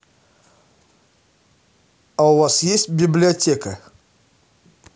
а у вас есть библиотека